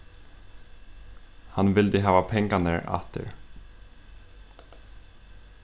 hann vildi hava pengarnir aftur